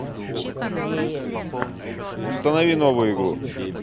установи новую игру